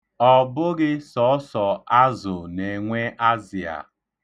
Ọ bụghị sọọsọ azụ na-enwe azịa.